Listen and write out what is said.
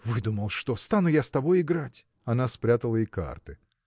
Выдумал что: стану я с тобой играть! Она спрятала и карты.